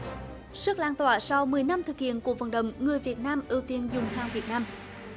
sức lan tỏa sau mười năm thực hiện cuộc vận động người việt nam ưu tiên dùng hàng việt nam